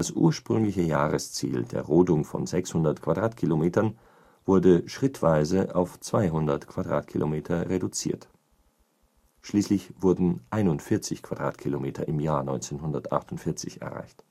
ursprüngliche Jahresziel der Rodung von 600 km² wurde schrittweise auf 200 km² reduziert, schließlich wurden 41 km² im Jahr 1948 erreicht